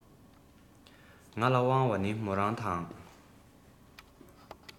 ང ལ དབང བ ནི མོ རང དང